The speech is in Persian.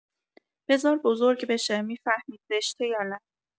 بزار بزرگ بشه می‌فهمی زشته یا نه